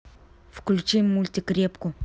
включи мультик репку